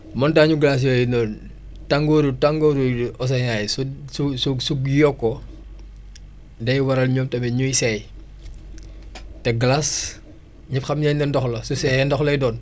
montagne ñu glaces yooyu noonu tàngooru tàngooru océeans yi su su su yokkoo day waral ñoom tamit ñuy seey te glace ñëpp xam nañ ne ndox la su seeyee ndox lay doon